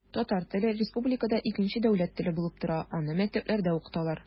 Татар теле республикада икенче дәүләт теле булып тора, аны мәктәпләрдә укыталар.